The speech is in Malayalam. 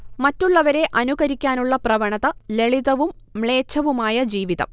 മറ്റുള്ളവരെ അനുകരിക്കാനുള്ള പ്രവണത ലളിതവും മ്ലേച്ഛവുമായ ജീവിതം